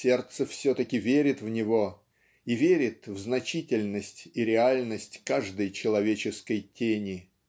сердце все-таки верит в него и верит в значительность и реальность каждой человеческой тени.